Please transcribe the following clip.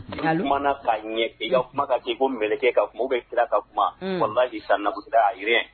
Halili mana'a ɲɛ'a kuma ka kɛ ko m kɛ k kaa kuma bɛ kira ka kuma walasajisa nabu ayre